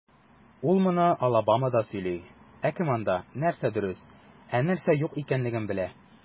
Ул моны Алабамада сөйли, ә кем анда, нәрсә дөрес, ә нәрсә юк икәнлеген белә?